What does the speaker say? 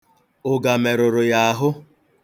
Ụga merụrụ ya ahụ.